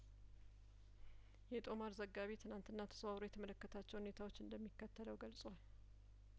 የጦማር ዘጋቢ ትናትና ተዘዋውሮ የተመለከታቸውን ሁኔታዎች እንደሚከተለው ገልጿል